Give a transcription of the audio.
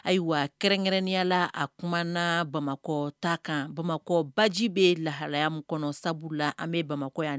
Ayiwa kɛrɛnkɛrɛnnenyala a tuma bamakɔ ta kan bamakɔbaji bɛ lahalayamu kɔnɔ sabu la an bɛ bamakɔ yan